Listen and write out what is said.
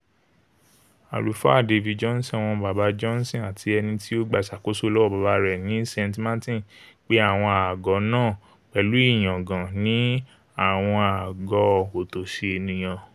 Àlùfáà David Johnson, ọmọ Baba Johnson àti ẹni tí ó gba ìsàkósọ́ lọ́wọ́ baba rẹ̀ ní St. Martin, pe àwọn aago náà, pẹ̀lú ìyangàn, ní ''àwọn aago òtòsi eniyan”.